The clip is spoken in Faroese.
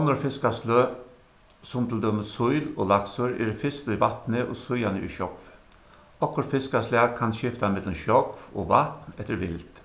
onnur fiskasløg sum til dømis síl og laksur eru fyrst í vatni og síðani í sjógvi okkurt fiskaslag kann skifta millum sjógv og vatn eftir vild